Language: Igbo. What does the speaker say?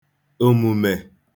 òmùmè